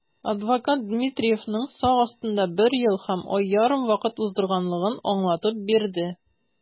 Адвокат Дмитриевның сак астында бер ел һәм ай ярым вакыт уздырганлыгын аңлатып бирде.